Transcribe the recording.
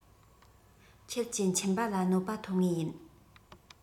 ཁྱེད ཀྱི མཆིན པ ལ གནོད པ ཐོབ ངེས ཡིན